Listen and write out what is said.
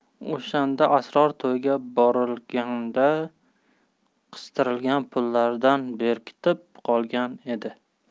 o'shanda asror to'yga borilganda qistirilgan pullardan berkitib qolgan edi